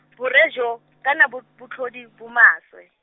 bore jo , kana bo, botlhodi, bo maswe.